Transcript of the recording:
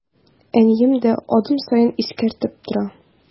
Әнием дә адым саен искәртеп тора.